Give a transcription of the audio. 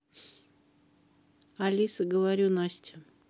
алиса говорю настя